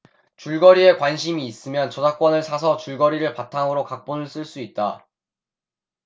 줄거리에 관심이 있으면 저작권을 사서 줄거리를 바탕으로 각본을 쓸 수 있다